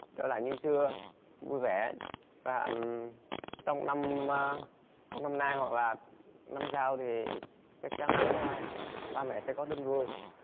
trở lại như xưa vui vẻ và trong trong năm a trong năm nay hoặc là năm sau thì chắc chắn a ba mẹ sẽ có tin vui